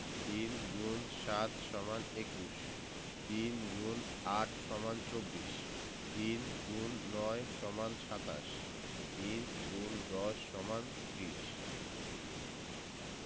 ৩ × ৭ = ২১ ৩ X ৮ = ২৪ ৩ X ৯ = ২৭ ৩ ×১০ = ৩০